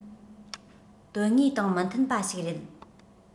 དོན དངོས དང མི མཐུན པ ཞིག རེད